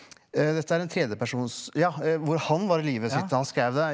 dette er en tredjepersons ja hvor han var i livet sitt da han skreiv det.